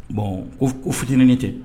Bɔn ko fitinin ni cɛ